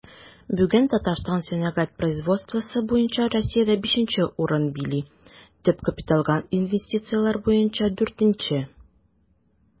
Бүген Татарстан сәнәгать производствосы буенча Россиядә 5 нче урынны били, төп капиталга инвестицияләр буенча 4 нче.